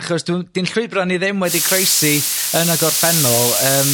achos dwi... di'n llwybra' ni ddim wedi croesi yn y gorffennol ymm